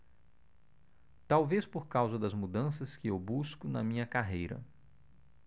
talvez por causa das mudanças que eu busco na minha carreira